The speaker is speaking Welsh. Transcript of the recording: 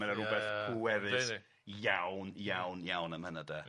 Mae 'na rwbeth pwerus iawn iawn iawn am hynna de.